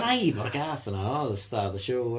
Mae raid fod y gath yna. Fo oedd star of the show.